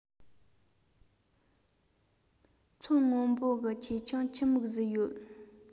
མཚོ སྔོན པོ གི ཆེ ཆུང ཆི མོ ཟིག ཡོད